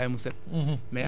waruñu ko bàyyi mu set